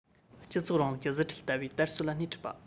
སྤྱི ཚོགས རིང ལུགས ཀྱི གཟི ཁྲེལ ལྟ བས དར སྲོལ ལ སྣེ ཁྲིད པ